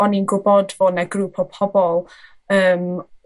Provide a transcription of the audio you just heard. o'n i'n gwbod bo' 'na grŵp o pobol yym